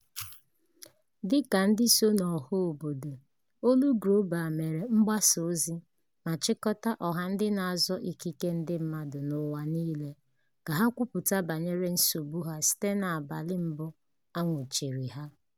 Dị ka ndị so n'ọha obodo, Global Voices mere mgbasa ozi ma chịkọta ọha ndị na-azọ ikike ndị mmadụ n'ụwa niile ka ha kwupụta banyere nsogbu ha site n'abalị mbụ a nwụchiri ha.